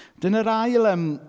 Dyna'r ail, yym...